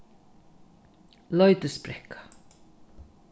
leitisbrekka